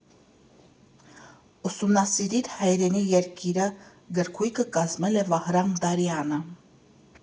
Ուսումնասիրիր հայրենի երկիրը» գրքույկը ֊ կազմել է Վահրամ Դարյանը։